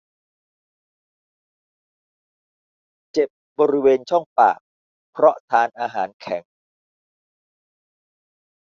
เจ็บบริเวณช่องปากเพราะทานอาหารแข็ง